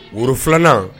Woro filanan